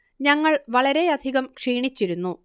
ഞങ്ങൾ വളരെയധികം ക്ഷീണിച്ചിരുന്നു